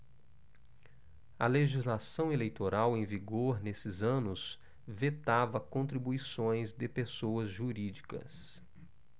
a legislação eleitoral em vigor nesses anos vetava contribuições de pessoas jurídicas